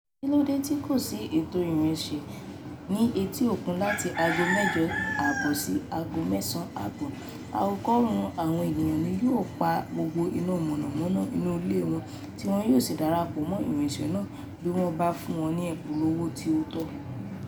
Kílódé tí o kò ṣe ètò ìrìnsẹ̀ ní etí òkun láti aago mẹ́jọ àbọ̀ sí mẹ́sàn àbọ̀... Ọgọọgọ̀rùn àwọn ènìyàn ni yóò pa gbogbo iná mọ̀nàmọ́ná inú ilé wọn tí wọn yóò sì darapọ̀ mọ́ ìrìnsẹ̀ náà bí wọ́n bá fún un ní ìpolówó tí ó tó.